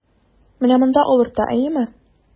Менә монда авырта, әйеме?